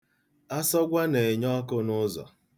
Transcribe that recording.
Asọgwa na-enye ọkụ n'ụzọ.